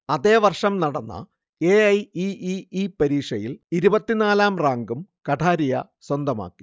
അതേവർഷം നടന്ന A. I. E. E. E പരീക്ഷയിൽ ഇരുപത്തിനാലാം റാങ്കും കഠാരിയ സ്വന്തമാക്കി